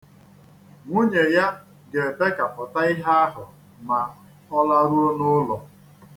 Nwunye ya ga-ebekapụta ihe ahụ ma ọ laruo n'ụlọ.